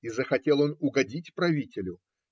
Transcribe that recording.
И захотел он угодить правителю